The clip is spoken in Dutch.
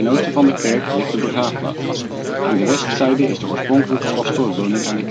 oosten van de kerk ligt de begraafplaats. Aan de westzijde is de oorspronkelijke pastoorswoning aan